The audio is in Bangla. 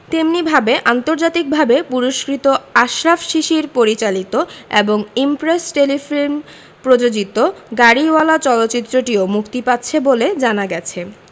তেমনিভাবে আন্তর্জাতিকভাবে পুরস্কৃত আশরাফ শিশির পরিচালিত এবং ইমপ্রেস টেলিফিল্ম প্রযোজিত গাড়িওয়ালা চলচ্চিত্রটিও মুক্তি পাচ্ছে বলে জানা গেছে